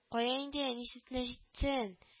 Кая инде әни сөтенә җитсен